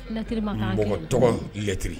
Lɛttlɛt